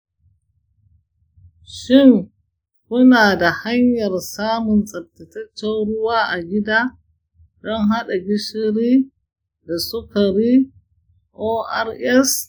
shin kuna da hanyar samun tsaftacecen ruwa a gida don haɗa gishiri da sukari ors?